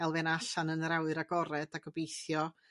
elfen allan yn yr awyr agored a gobithio